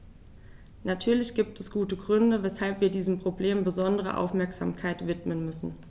Natürlich gibt es gute Gründe, weshalb wir diesem Problem besondere Aufmerksamkeit widmen müssen.